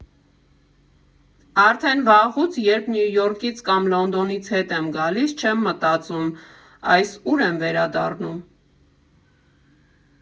Արդեն վաղուց, երբ Նյու Յորքից, կամ Լոնդոնից հետ եմ գալիս, չեմ մտածում՝ այս ու՞ր եմ վերադառնում։